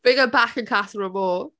Bring her back in Casa Amor.